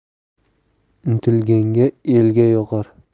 intilgan elga yoqar